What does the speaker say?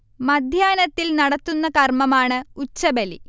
മധ്യാഹ്നത്തിൽ നടത്തുന്ന കർമമാണ് ഉച്ചബലി